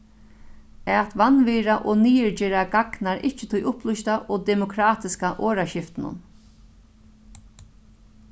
at vanvirða og niðurgera gagnar ikki tí upplýsta og demokratiska orðaskiftinum